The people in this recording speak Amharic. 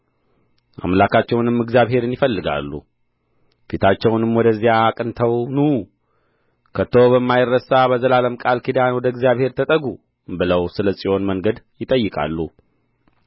አምላካቸውንም እግዚአብሔርን ይፈልጋሉ ፊታቸውንም ወደዚያ አቅንተው ኑ ከቶ በማይረሳ በዘላለም ቃል ኪዳን ወደ እግዚአብሔር ተጠጉ ብለው ስለ ጽዮን መንገድ ይጠይቃሉ